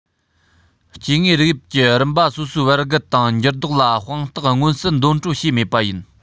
སྐྱེ དངོས རིགས དབྱིབས ཀྱི རིམ པ སོ སོའི བར བརྒལ དང འགྱུར ལྡོག ལ དཔང རྟགས མངོན གསལ འདོན སྤྲོད བྱས མེད པ ཡིན